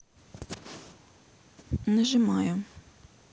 нажимаю